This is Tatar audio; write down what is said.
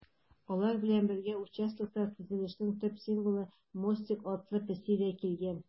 Алар белән бергә участокта төзелешнең төп символы - Мостик атлы песи дә килгән.